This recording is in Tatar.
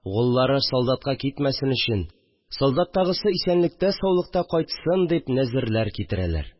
Угыллары солдатка китмәсен, солдаттагысы исәнлектә-саулыкта кайтсын дип нәзерләр китерәләр